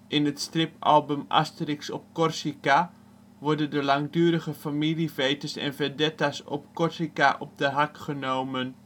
In het stripalbum " Asterix op Corsica " worden de langdurige familievetes en vendetta 's op Corsica op de hak genomen